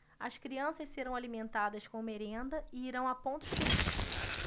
as crianças serão alimentadas com merenda e irão a pontos turísticos